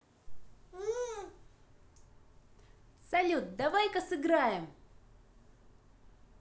салют давай ка сыграем